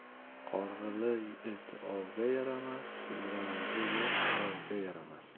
qorg'ili it ovga yaramas yuragi yo'q yovga yaramas